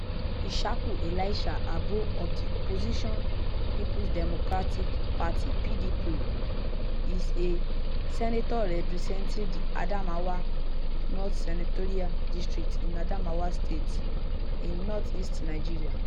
Ishaku Elisha Abbo of the opposition People’s Democratic Party (PDP) is a senator representing the Adamawa North Senatorial District in Adamawa State, in northeast Nigerian.